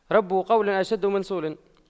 رب قول أشد من صول